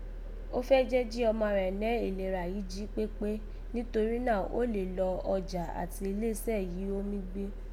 Ó fẹ́ jí ọma rẹ̀ nẹ́ ìlera yìí jí kpékpé, nítorí náà ó lè lọ ọjà àti ilé isẹ́ yìí gho mí gbé